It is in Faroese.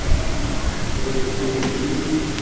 hetta var ein uppliving fyri lívið